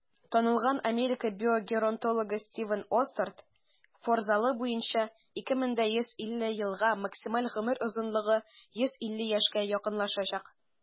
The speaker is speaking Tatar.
Танылган Америка биогеронтологы Стивен Остад фаразлары буенча, 2150 елга максималь гомер озынлыгы 150 яшькә якынлашачак.